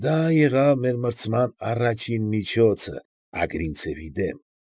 Դա եղավ մրցման առաջին միջոցը Ագրինցևի դեմ։